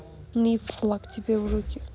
ну и флаг тебе в руки